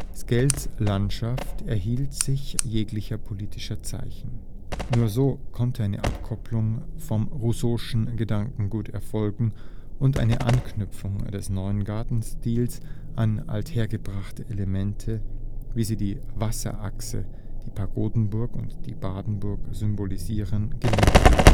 Sckells Landschaft enthielt sich jeglicher politischer Zeichen. Nur so konnte eine Abkopplung vom Rousseau'schen Gedankengut erfolgen und eine Anknüpfung des neuen Gartenstils an althergebrachte Elemente, wie sie die Wasserachse, die Pagodenburg und die Badenburg symbolisieren, gelingen